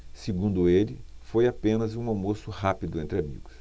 segundo ele foi apenas um almoço rápido entre amigos